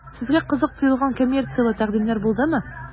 Сезгә кызык тоелган коммерцияле тәкъдимнәр булдымы?